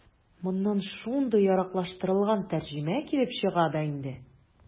Моннан шундый яраклаштырылган тәрҗемә килеп чыга да инде.